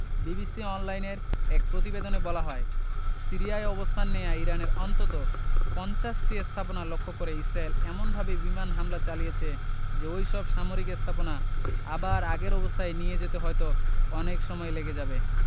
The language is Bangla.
বিবিসি অনলাইনের এক প্রতিবেদনে বলা হয় সিরিয়ায় অবস্থান নেওয়া ইরানের অন্তত ৫০টি স্থাপনা লক্ষ্য করে ইসরায়েল এমনভাবে বিমান হামলা চালিয়েছে যে ওই সব সামরিক স্থাপনা আবার আগের অবস্থায় নিয়ে যেতে হয়তো অনেক সময় লেগে যাবে